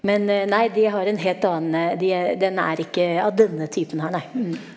men nei de har en helt annen de den er ikke av denne typen her nei .